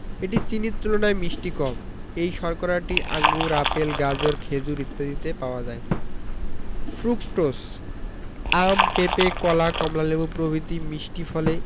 এটি চিনির তুলনায় মিষ্টি কম এই শর্করাটি আঙুর আপেল গাজর খেজুর ইত্যাদিতে পাওয়া যায় ফ্রুকটোজ আম পেপে কলা কমলালেবু প্রভৃতি মিষ্টি ফলে